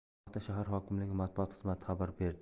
bu haqda shahar hokimligi matbuot xizmati xabar berdi